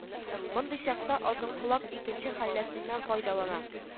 Мондый чакта озынколак икенче хәйләсеннән файдалана: